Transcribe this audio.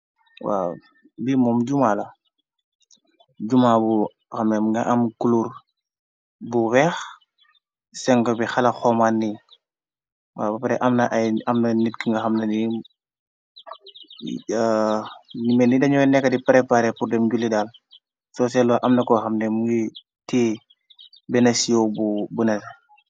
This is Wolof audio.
Waw bi moom jumala juma bu xamem nga am kulur bu weex seng bi xala xomag ni apre amna ay amna nitk nga mnime ni dañooy nekka di parepare pur dem julidaal soo selo amna ko xamne muy tee benn sie bu nete.